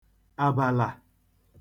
àbàlà